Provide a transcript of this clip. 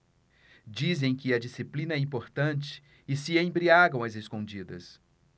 dizem que a disciplina é importante e se embriagam às escondidas